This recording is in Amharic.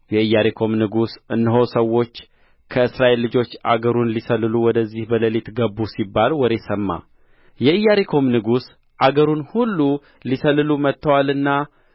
የኢያሪኮም ንጉሥ እነሆ ሰዎች ከእስራኤል ልጆች አገሩን ሊሰልሉ ወደዚህ በሌሊት ገቡ ሲባል ወሬ ሰማ የኢያሪኮም ንጉሥ አገሩን ሁሉ ሊሰልሉ መጥተዋልና